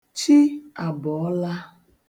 Chi abọọla.